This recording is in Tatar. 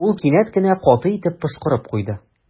Ул кинәт кенә каты итеп пошкырып куйды.